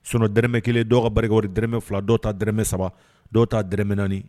Sinon dɛrɛmɛ kelen dɔw ka baara kɛ wari, dɛrɛmɛ fila, dɔw ta dɛrɛmɛ saba, dɔw ta dɛrɛmɛ naani.